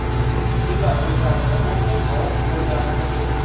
mulla bilganin o'qir tovuq ko'rganin cho'qir